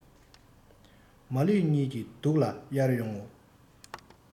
ཁ ལུས གཉིས ཀྱིས སྡུག ལ སྦྱར ཡོང ངོ